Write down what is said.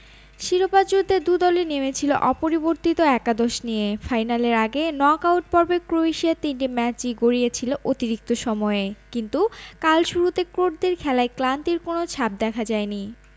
শিরোপা যুদ্ধে দু দলই নেমেছিল অপরিবর্তিত একাদশ নিয়ে ফাইনালের আগে নকআউট পর্বে ক্রোয়েশিয়ার তিনটি ম্যাচই গড়িয়েছিল অতিরিক্ত সময়ে কিন্তু কাল শুরুতে ক্রোটদের খেলায় ক্লান্তির কোনো ছাপ দেখা যায়নি